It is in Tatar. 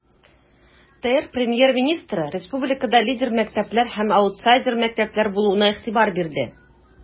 ТР Премьер-министры республикада лидер мәктәпләр һәм аутсайдер мәктәпләр булуына игътибар бирде.